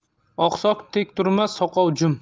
oqsoq tek turmas soqov jim